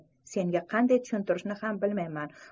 senga qanday tushuntirishni ham bilmayman